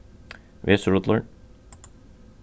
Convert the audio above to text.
vesirullur